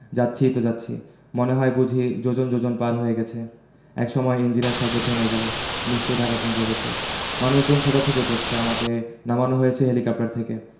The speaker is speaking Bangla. যাচ্ছি তো যাচ্ছি মনে হয় বুঝি যোজন যোজন পার হয়ে গেছে একসময় ইঞ্জিনের শব্দ থেমে গেলো নিশ্চয়ই ঢাকা পৌঁছে গেছি মানুষজন ছোটাছুটি করছে আমাকে নামানো হয়েছে হেলিকপ্টার থেকে